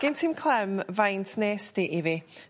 Gen ti'm clem faint nest di i fi.